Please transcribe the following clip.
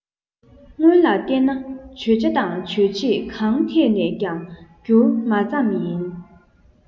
སྔོན ལ བལྟས ན བརྗོད བྱ དང རྗོད བྱེད གང ཐད ནས ཀྱང འགྱུར མ ཙམ ཡིན